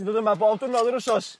Ti'n dod yma bob diwrnod yr wsos?